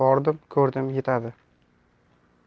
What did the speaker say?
bordim ko'rdim yetadi